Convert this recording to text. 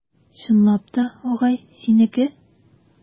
Чынлап та, агай, синеке?